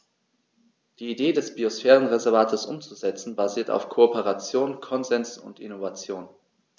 Die Idee des Biosphärenreservates umzusetzen, basiert auf Kooperation, Konsens und Innovation.